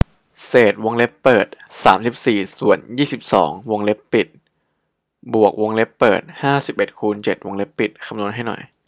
เศษวงเล็บเปิดสามสิบสี่ส่วนยี่สิบสองวงเล็บปิดบวกวงเล็บเปิดห้าสิบเอ็ดคูณเจ็ดวงเล็บปิดคำนวณให้หน่อย